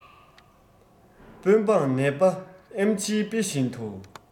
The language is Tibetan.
དཔོན འབངས ནད པ ཨེམ ཆིའི དཔེ བཞིན དུ